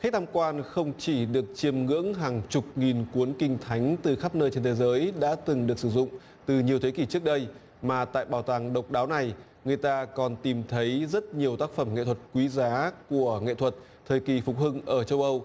khách tham quan không chỉ được chiêm ngưỡng hàng chục nghìn cuốn kinh thánh từ khắp nơi trên thế giới đã từng được sử dụng từ nhiều thế kỷ trước đây mà tại bảo tàng độc đáo này người ta còn tìm thấy rất nhiều tác phẩm nghệ thuật quý giá của nghệ thuật thời kỳ phục hưng ở châu âu